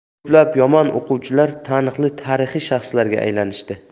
ko'plab yomon o'quvchilar taniqli tarixiy shaxslarga aylanishdi